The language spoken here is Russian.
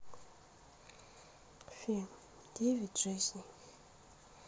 фильм девять жизней